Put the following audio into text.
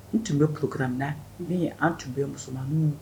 N tun bɛ kulukura minna na n an tun bɛ musoman